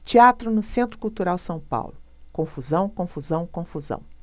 teatro no centro cultural são paulo confusão confusão confusão